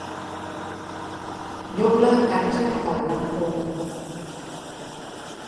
ยกเลิกการเชื่อมต่อลำโพง